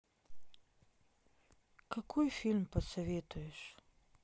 какой фильм посоветуешь